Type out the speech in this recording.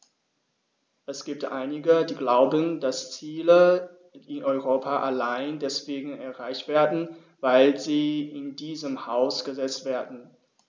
Es gibt einige, die glauben, dass Ziele in Europa allein deswegen erreicht werden, weil sie in diesem Haus gesetzt werden.